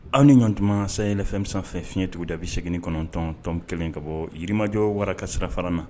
Aw ni ɲɔgɔntuma sany fɛn0 fiɲɛtigi dabi segin kɔnɔntɔntɔn kelen ka bɔ yiriirimajɔ wara ka sira fara na